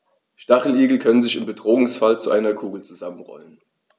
Stacheligel können sich im Bedrohungsfall zu einer Kugel zusammenrollen.